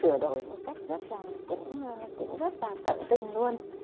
sửa đổi một cách rõ ràng cũng cũng rất là tận tình luôn